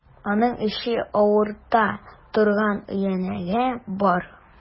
Аның эче авырта торган өянәге бар.